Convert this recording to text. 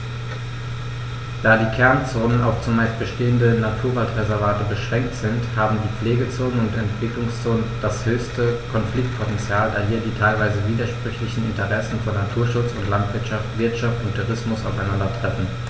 Da die Kernzonen auf – zumeist bestehende – Naturwaldreservate beschränkt sind, haben die Pflegezonen und Entwicklungszonen das höchste Konfliktpotential, da hier die teilweise widersprüchlichen Interessen von Naturschutz und Landwirtschaft, Wirtschaft und Tourismus aufeinandertreffen.